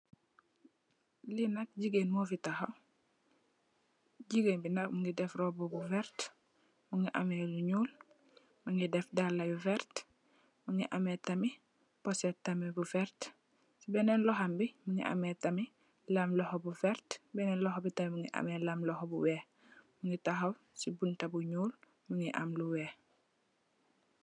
Li nak gigain mofi tahaw giigain bi nak mungi def robu bu verteh Mungi ameh lu nyuul Mungi def dali yu red Mungi ameh tamit poset tamit bu verteh sey benen lohom bi Mungi ameh tamit lam loho bu vert benen loho bi tamit Mungi ameh lam loho bu weih Mungi tahaw sey bunta bu nyuul Mungi am lu weih .